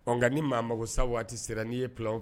Nka nka ni maa mago sa waati sera n'i ye filan